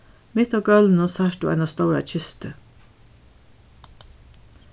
mitt á gólvinum sært tú eina stóra kistu